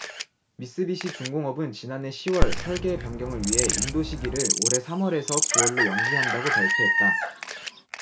미쓰비시 중공업은 지난해 시 월 설계 변경을 위해 인도시기를 올해 삼 월에서 구 월로 연기한다고 발표했다